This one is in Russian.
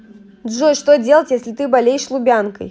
джой что делать если ты болеешь лубянкой